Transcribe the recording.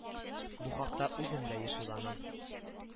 Бу хакта үзем дә еш уйланам